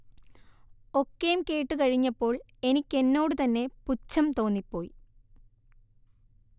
ഒക്കേം കേട്ടുകഴിഞ്ഞപ്പോൾ എനിക്കെന്നോടു തന്നെ പുച്ഛം തോന്നിപ്പോയി